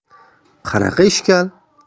qanaqa ishkal